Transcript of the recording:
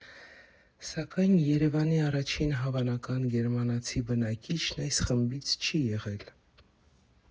Սակայն Երևանի առաջին հավանական գերմանացի բնակիչն այս խմբից չի եղել։